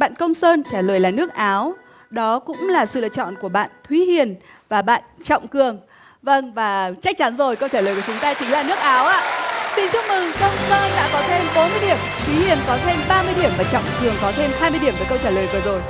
bạn công sơn trả lời là nước áo đó cũng là sự lựa chọn của bạn thúy hiền và bạn trọng cường vâng và chắc chắn rồi câu trả lời của chúng ta chính là nước áo ạ xin chúc mừng công sơn đã có thêm bốn điểm thúy hiền có thêm ba mươi điểm và trọng cường có thêm hai mươi điểm với câu trả lời vừa rồi